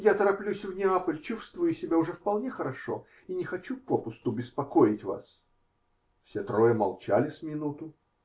Я тороплюсь в Неаполь, чувствую себя уже вполне хорошо и не хочу попусту беспокоить вас. Все трое молчали с минуту.